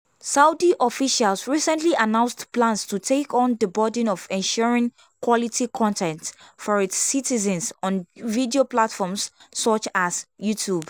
Saudi officials recently announced plans to take on the burden of ensuring “quality content” for its citizens on video platforms such as YouTube.